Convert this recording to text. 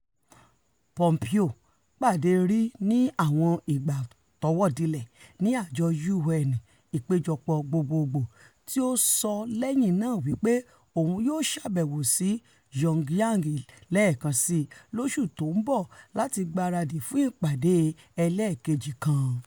Pompeo pàdé Ri ní àwọn ìgbá tọ́wọ́dilẹ̀ ni àjọ U.N. Ìpéjọpọ̀ Gbogbogbò tí ó sọ lẹ́yìn náà wí pé òun yóò ṣàbẹ̀wò sí Pyongyang lẹ́ẹ̀kan sii lóṣù tó ńbọ láti gbaradì fún ìpàdé ẹlẹ́ẹ̀kejì kan.